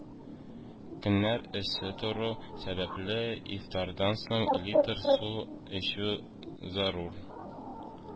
Көннәр эссе тору сәбәпле, ифтардан соң литр су эчү зарур